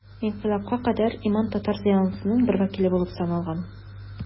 Инкыйлабка кадәр имам татар зыялысының бер вәкиле булып саналган.